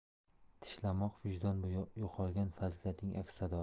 tishlamoq vijdon bu yo'qolgan fazilatning aks sadosi